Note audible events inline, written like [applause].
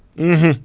[hesitation] [hesitation]